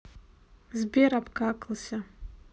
сбер обкакался